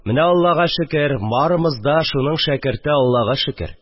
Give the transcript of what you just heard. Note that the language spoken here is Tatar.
Менә, Аллага шөкер, барымыз да шуның шәкерте, Аллага шөкер